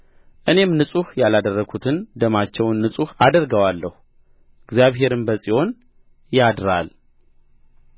እኔም ንጹሕ ያላደረግሁትን ደማቸውን ንጹሕ አደርገዋለሁ እግዚአብሔርም በጽዮን ያድራል